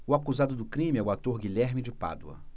o acusado do crime é o ator guilherme de pádua